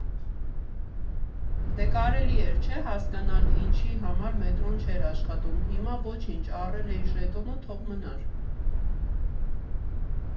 Դե կարելի էր չէ՞ հասկանալ՝ ինչի համար մետրոն չէր աշխատում, հիմա ոչինչ, առել էիր ժետոնը, թող մնար…